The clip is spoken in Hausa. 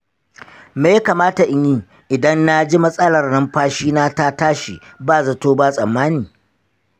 me ya kamata in yi idan na ji matsalar numfashina ta tashi ba zato ba tsammani?